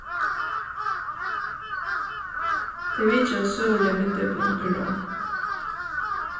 tey vitjaðu søguliga miðdepilin í róm